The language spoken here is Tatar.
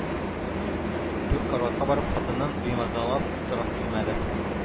Түр караватка барып хатынын бимазалап торасы килмәде.